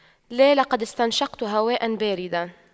لا لقد استنشقت هواء باردا